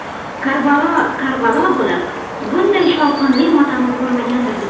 karbalo karbalo bo'lib bunday shovqinli motamni ko'rmagandir